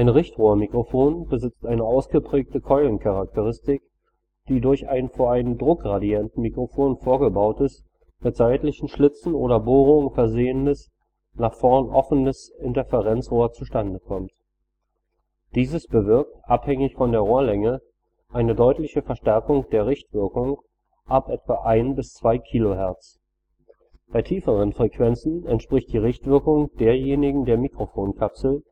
Richtrohrmikrofon besitzt eine ausgeprägte Keulencharakteristik, die durch ein vor ein Druckgradientenmikrofon vorgebautes, mit seitlichen Schlitzen oder Bohrungen versehenes, nach vorn offenes Interferenzrohr zustande kommt. Dieses bewirkt, abhängig von der Rohrlänge, eine deutliche Verstärkung der Richtwirkung ab etwa 1 bis 2 kHz. Bei tieferen Frequenzen entspricht die Richtwirkung derjenigen der Mikrofonkapsel